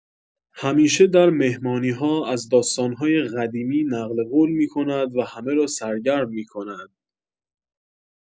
همیشه در مهمانی‌ها از داستان‌های قدیمی نقل‌قول می‌کند و همه را سرگرم می‌کند.